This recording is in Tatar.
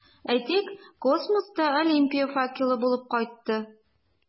Әйтик, космоста Олимпия факелы булып кайтты.